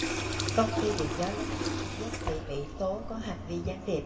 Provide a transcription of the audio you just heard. công ty điện gió lớn nhất trung quốc bị mỹ tố có hành vi gián điệp